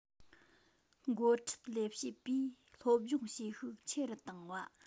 འགོ ཁྲིད ལས བྱེད པས སློབ སྦྱོང བྱེད ཤུགས ཆེ རུ བཏང བ